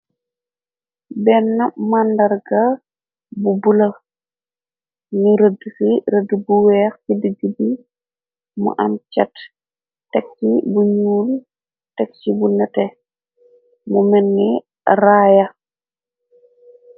Benn màndarga bu bula, ni rëddxi rëd bu weex fiddigi bi, mu am cat, tekki bu nuur, tek ci bu nete, mu menni raaya.